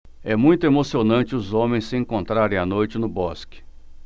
é muito emocionante os homens se encontrarem à noite no bosque